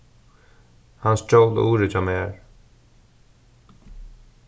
hann stjól urið hjá mær